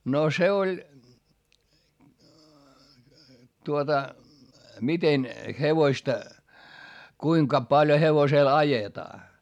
no se oli tuota miten hevosta kuinka paljon hevosella ajetaan